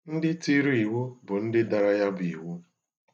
Ndị tiri iwu bụ ndị dara ya bụ iwu.